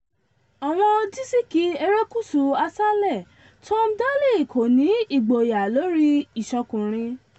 Àwò dísìkì erékùsù aṣálẹ̀: Tom Daley kò ní “ìgboyà” lórí ìṣọkúnrin